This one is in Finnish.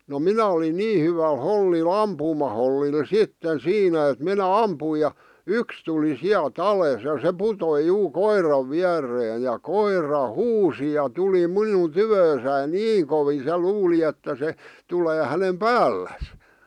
no minä olin niin hyvällä hollilla ampumahollilla sitten siinä et minä ammuin ja yksi tuli sieltä alas ja se putosi juu koiran viereen ja koira huusi ja tuli minun tyköni niin kovin se luuli että se tulee hänen päälleen